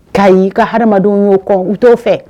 K'a y'i ka hadamadenw y'i kɔ u t'o fɛ